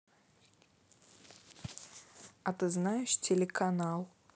а ты знаешь телеканал